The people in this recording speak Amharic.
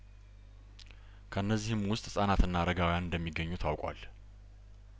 ከእነዚህም ውስጥ ህጻናትና አረጋውያን እንደሚገኙ ታውቋል